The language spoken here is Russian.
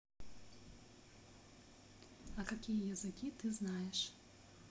а какие языки ты знаешь